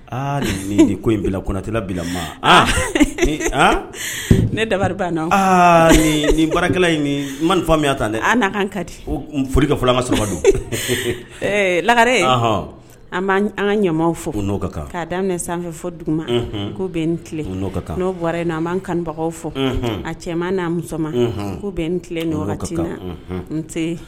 Aa ni ni ko in bila konatila bilama ne dari banna na nin bɔrakɛla man fɔ min taa an n' kan ka di foli ka fɔlɔ ma su don ee lagare an b'an an ka ɲɛw fɔ n'o ka kan k'a daminɛ sanfɛ fɔ dugu ko bɛ nin n'o ka kan n'o bɔra n an'an kanbagaw fɔ a cɛman n'a musoma ko bɛ nin tilen ɲɔgɔn wagati ma n tɛ